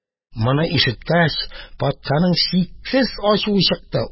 Моны ишеткәч, патшаның чиксез ачуы чыкты.